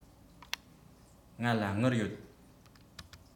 ང ལ དངུལ ཡོད